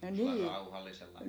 semmoisella rauhallisella